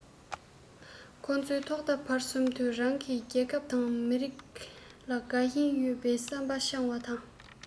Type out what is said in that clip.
ཁོ ཚོས ཐོག མཐའ བར གསུམ དུ རང གི རྒྱལ ཁབ དང མི རིགས ལ དགའ ཞེན ཡོད པའི བསམ པ འཆང བ དང